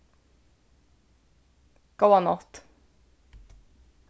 góða nátt